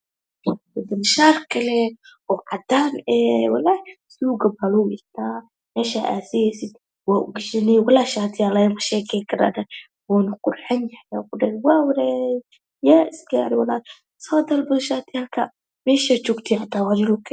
Shaar oo cadan ah iskuuka paa lgu dhigtaa meshaa adesipa waa ugishanee walahi shatigan lagama shekeen karo wuuna qurxan yahy wa wareey yaa izkaaro soo dalpada shatiyaalkaan meshaa jogtiin xitaa waa ligu kenaa